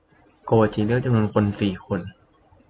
โกวาจีเลือกจำนวนคนสี่คน